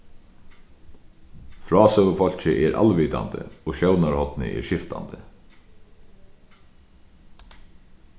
frásøgufólkið er alvitandi og sjónarhornið er skiftandi